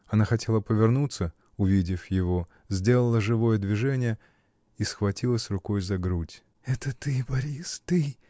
Она хотела повернуться, увидев его, сделала живое движение и схватилась рукой за грудь. — Это ты, Борис, ты!